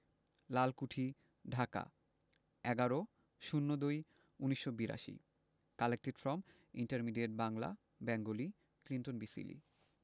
লালকুঠি ঢাকা ১১/০২/১৯৮২ collected from intermediate Bangla Bengali Clinton B Seely